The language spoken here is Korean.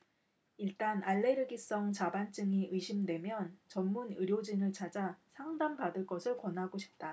일단 알레르기성 자반증이 의심되면 전문 의료진을 찾아 상담 받을 것을 권하고 싶다